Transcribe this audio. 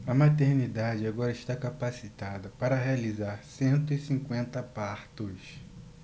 a maternidade agora está capacitada para realizar cento e cinquenta partos